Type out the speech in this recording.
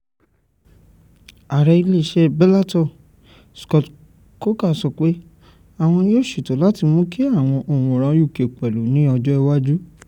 Ààrẹ ilé iṣẹ́ Bellator Scott Coker sọ pé àwọn yóò ṣèètò láti mú kí àwọn òǹwòran UK pẹ̀lú ní ọjọ́ iwájú.